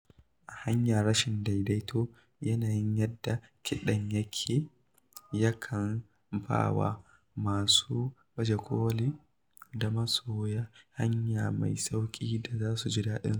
A hanyar rashin daidaito, yanayin yadda kiɗan yake yakan ba wa masu baje-kolin da masoya hanya mai sauƙi da za su ji daɗinsu.